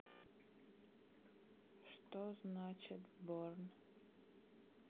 что значит born